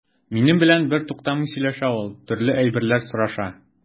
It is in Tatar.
Минем белән бертуктамый сөйләшә ул, төрле әйберләр сораша.